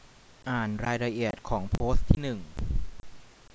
อ่านรายละเอียดของโพสต์ที่หนึ่ง